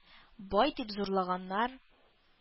“бай“ дип зурлаганнар.